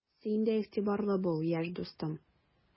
Син дә игътибарлы бул, яшь дустым!